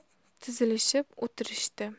tizilishib o'tirishdi